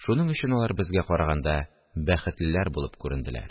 Шуның өчен алар безгә караганда бәхетлерәк булып күренделәр